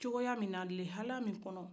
jogoya min kɔnɔ lahali min na